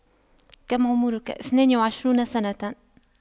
كم عمرك اثنان وعشرون سنة